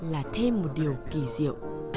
là thêm điều kỳ diệu